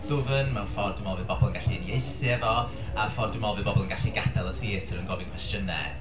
Dwfn, mewn ffordd dwi'n meddwl fydd bobol yn gallu uniaethu efo. A ffordd dwi'n meddwl bydd bobol yn gallu gadael y theatr yn gofyn cwestiynau.